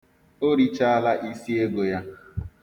O richaala isiego ya.